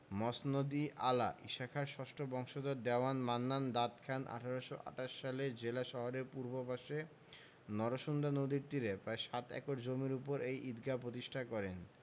মসনদ ই আলা ঈশাখার ষষ্ঠ বংশধর দেওয়ান মান্নান দাদ খান ১৮২৮ সালে জেলা শহরের পূর্ব পাশে নরসুন্দা নদীর তীরে প্রায় সাত একর জমির ওপর এই ঈদগাহ প্রতিষ্ঠা করেন